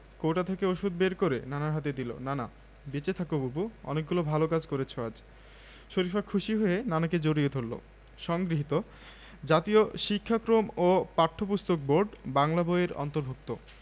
Fazilatunnesa gold cup থেকে শুরু করে আন্তর্জাতিক পর্যায়ে গত তিন চার বছরে কলসিন্দুরের মেয়েদের সাফল্য নিশ্চয়ই অজানা নয় ক্রীড়াক্ষেত্রে এমন সাফল্য তো পাচ্ছেন অনেকেই অন্য জেলা বাদ দিন